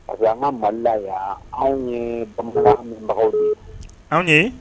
A an ka maliya anw ye bamabagaw ye anw ye